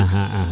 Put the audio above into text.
axa axa